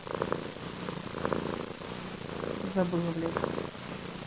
забыла блядь